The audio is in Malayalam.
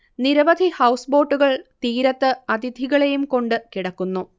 നിരവധി ഹൗസ് ബോട്ടുകൾ തീരത്ത് അതിഥികളെയും കൊണ്ട് കിടക്കുന്നു